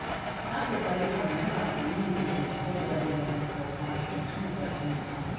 Տասը տարի ամեն օր արթնանում էի այդ մտքով ու այդ երազանքով, առաքելություն էր դարձել ինձ համար։